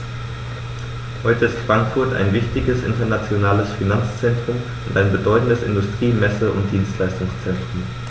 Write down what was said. Heute ist Frankfurt ein wichtiges, internationales Finanzzentrum und ein bedeutendes Industrie-, Messe- und Dienstleistungszentrum.